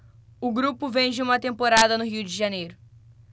o grupo vem de uma temporada no rio de janeiro